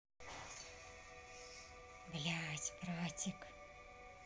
блядь братик